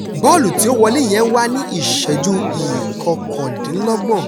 Bọ́ọ̀lù tí ó wọlé yẹn wá ní ìṣẹ́jú ìkọkàndínlọ́gbọ̀n.